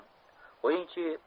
qo'ying chi